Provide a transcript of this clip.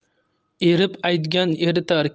erib aytgan eritar